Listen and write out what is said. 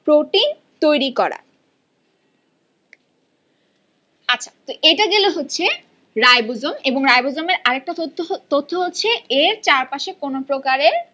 protein তৈরি করা আচ্ছা তো এটা গেল হচ্ছে রাইবোজোম এবং রাইবোজোমের আরেকটা তথ্য হচ্ছে এর চারপাশে কোন প্রকারের